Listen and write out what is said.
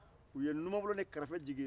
u ye numanbolo ni karafe jigin